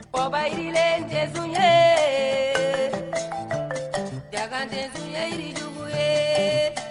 Baba hinɛɛnkun ye jajɛ ye yirikun ye